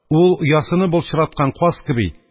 Ул, оясыны былчыраткан каз кеби,